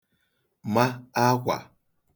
ma akwà